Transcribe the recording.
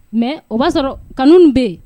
Mɛ o b'a sɔrɔ kanu bɛ yen